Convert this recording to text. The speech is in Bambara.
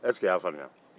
ɛseke i y'a faamuya